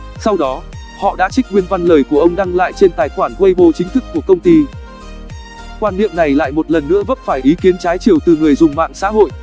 sau đó họ đã trích nguyên văn lời của ông đăng lại trên tài khoản weibo chính thức của công ty quan niệm này lại một lần nữa vấp phải ý kiến trái chiều từ người dùng mạng xã hội